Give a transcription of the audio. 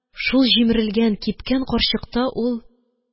Шул җимерелгән, кипкән карчыкта ул